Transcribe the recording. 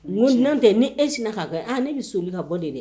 Mun tɛ ni esina ka kɛ ne bɛ so min ka bɔ de dɛ